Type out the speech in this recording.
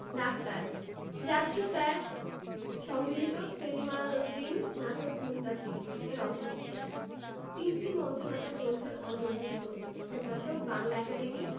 doctor যাচ্ছি sir সংগৃহীত সেলিম আল দীন নাটক মুনতাসীর এর অংশবিশেষ তিনটি মঞ্চনাটক গ্রন্থের অন্তর্ভুক্ত প্রকাশকঃ বাংলা একাডেমী